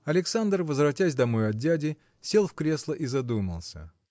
Александр, возвратясь домой от дяди, сел в кресло и задумался.